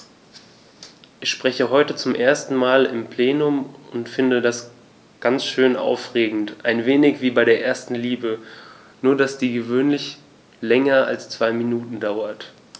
Ich spreche heute zum ersten Mal im Plenum und finde das ganz schön aufregend, ein wenig wie bei der ersten Liebe, nur dass die gewöhnlich länger als zwei Minuten dauert.